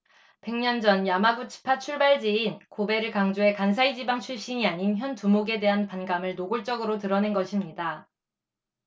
백 년 전 야마구치파 출발지인 고베를 강조해 간사이 지방 출신이 아닌 현 두목에 대한 반감을 노골적으로 드러낸 것입니다